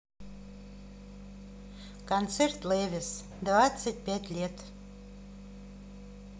концерт велес двадцать пять лет